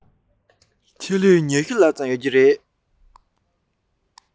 ཆེད ལས ༢༠ ལྷག ཙམ ཡོད རེད